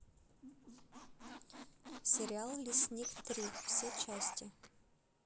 сериал лесник три все части